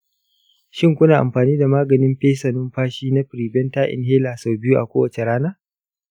shin kuna amfani da maganin fesa numfashi na preventer inhaler sau biyu a kowace rana?